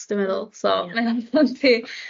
dwi meddwl so mae .